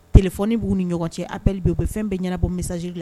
Kɛlɛf b'u ni ɲɔgɔn cɛ apli bɛ pe bɔ fɛn bɛɛ ɲɛnabɔ misaz la